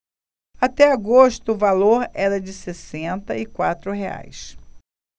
até agosto o valor era de sessenta e quatro reais